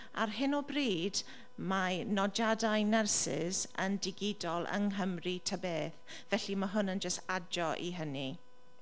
Ar hyn o bryd mae nodiadau nyrsys yn digidol yng Nghymru ta beth, felly mae hwn yn jyst adio i hynny.